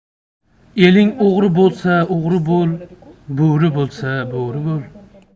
eling o'g'ri bo'lsa o'g'ri bo'l bo'ri bo'lsa bo'ri bo'l